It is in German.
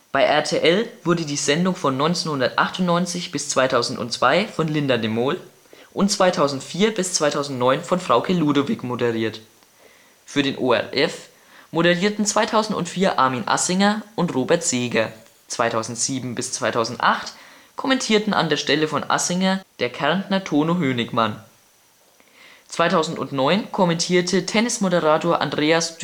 Bei RTL wurde die Sendung von 1998 bis 2002 von Linda de Mol und 2004 - 2009 von Frauke Ludowig moderiert. Für den ORF moderierten 2004 Armin Assinger und Robert Seeger. 2007 - 2008 kommentierten an der Seite von Assinger der Kärntner Tono Hönigmann. 2009 kommentierte Tennis Moderator Andreas